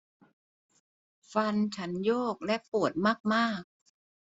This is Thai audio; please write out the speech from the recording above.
ฟันฉันโยกและปวดมากมาก